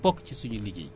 ba ci assurance bi